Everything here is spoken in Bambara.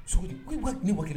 Sogo ba nin wa kelen